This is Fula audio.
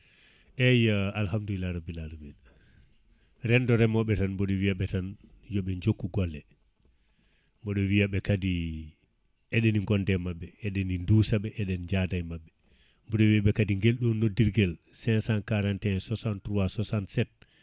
eyyi Ala hamdoulillahi rabbil alamina rendo reemoɓe tan mboɗo wiyaɓe tan yoɓe jokku golle mboɗo wiyaɓe kadi eɗeni gande maɓɓe eɗeni dusaɓe eɗeni jaada e maɓɓe mboɗo wiyaɓe kadi guelɗo noddirguel 541 63 67